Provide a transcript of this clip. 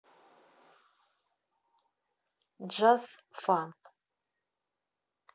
джаз фанк